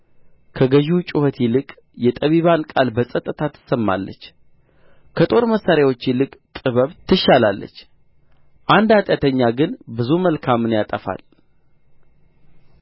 ከገዢው ጩኸት ይልቅ የጠቢባን ቃል በጸጥታ ትሰማለች ከጦር መሣሪያዎች ይልቅ ጥበብ ትሻላለች አንድ ኃጢአተኛ ግን ብዙ መልካምን ያጠፋል